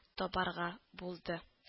Табарга булды